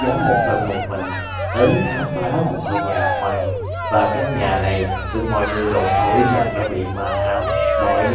khám phá một căn nhà hoang và căn nhà này được mọi người đồn thổi rằng đã bị ma ám mọi người